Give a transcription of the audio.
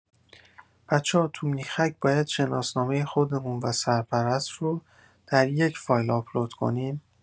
بچه‌ها توو میخک باید شناسنامه خودمون و سرپرست رو در یک فایل اپلود کنیم؟